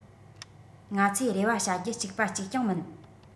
ང ཚོས རེ བ བྱ རྒྱུ གཅིག པ གཅིག རྐྱང མིན